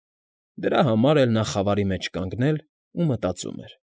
Դրա համար էլ նա խավարի մեջ կանգնել ու մտածում էր։